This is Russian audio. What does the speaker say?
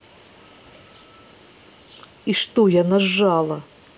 и что я нажала